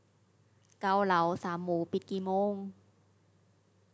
เกาเหลาสามหมูปิดกี่โมง